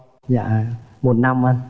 dạ một năm anh